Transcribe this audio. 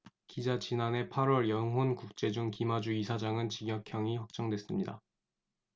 기자 지난해 팔 월 영훈국제중 김하주 이사장은 징역형이 확정됐습니다